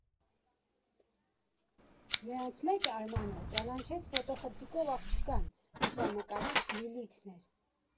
Նրանց մեջ Արմանը ճանաչեց ֆոտոխցիկով աղջկան՝ լուսանկարիչ Լիլիթն էր։